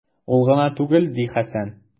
Ул гына түгел, - ди Хәсән.